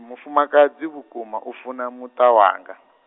mufumakadzi vhukuma u funa muṱa wanga.